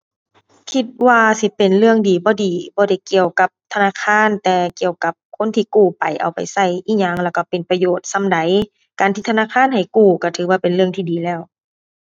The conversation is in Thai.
คิดว่าสิเป็นเรื่องดี บ่ดี บ่ได้เกี่ยวกับธนาคาร แต่เกี่ยวกับคนที่กู้ไปเอาไปใช้อิหยัง แล้วใช้เป็นประโยชน์ส่ำใด การที่ธนาคารให้กู้ใช้ถือว่าเป็นเรื่องที่ดีแล้ว